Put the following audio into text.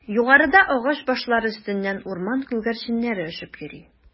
Югарыда агач башлары өстеннән урман күгәрченнәре очып йөри.